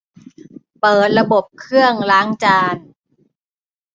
เปิดระบบเครื่องล้างจาน